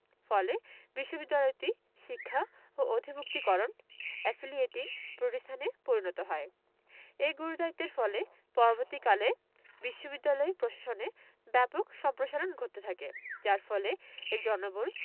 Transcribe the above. ফলে বিশ্ববিদ্যালয়টি শিক্ষা ও অধিভূক্তিকরণ এফিলিয়েটিং প্রতিষ্ঠানে পরিণত হয় এ গুরুদায়িত্বের ফলে পরবর্তীকালে বিশ্ববিদ্যালয় প্রশাসনে ব্যাপক সম্প্রসারণ ঘটতে থাকে যার ফলে এর জনবল